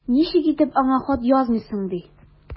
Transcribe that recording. Ничек итеп аңа хат язмыйсың ди!